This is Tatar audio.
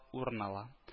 Урын ала